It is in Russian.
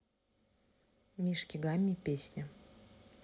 мишки гамми песня